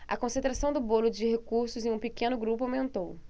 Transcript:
a concentração do bolo de recursos em um pequeno grupo aumentou